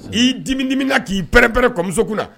Ii dimi di min kan k'iɛ-ɛɛrɛ kɔmusokun na